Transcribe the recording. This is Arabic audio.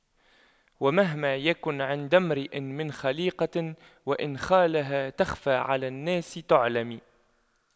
ومهما يكن عند امرئ من خَليقَةٍ وإن خالها تَخْفَى على الناس تُعْلَمِ